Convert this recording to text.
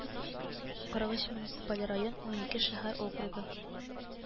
Кырык өч муниципаль район, унике шәһәр округы